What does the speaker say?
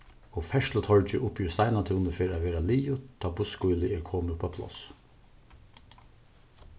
og ferðslutorgið uppi í steinatúni fer at verða liðugt tá bussskýlið er komið uppá pláss